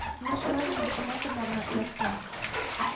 Менә шулай мин дошман тырнагына эләктем